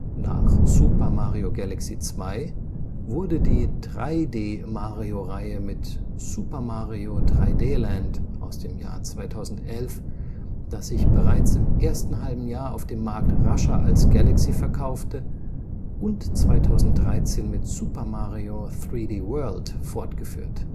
Nach Super Mario Galaxy 2 wurde die 3D-Mario-Reihe mit Super Mario 3D Land (3DS, 2011), das sich bereits im ersten halben Jahr auf dem Markt rascher als Galaxy verkaufte, und 2013 mit Super Mario 3D World (Wii U) fortgeführt